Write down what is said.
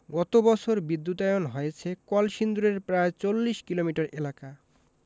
গত বছর বিদ্যুতায়ন হয়েছে কলসিন্দুরের প্রায় ৪০ কিলোমিটার এলাকা